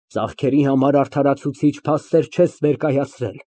Ծախքերի համար արդարացուցիչ փաստեր չես ներկայացրել։